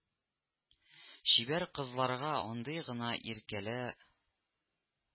Чибәр кызларга андый гына иркәлә